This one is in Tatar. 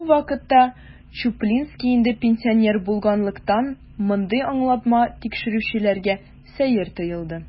Бу вакытка Чуплинский инде пенсионер булганлыктан, мондый аңлатма тикшерүчеләргә сәер тоелды.